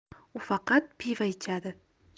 u faqat pivo ichadi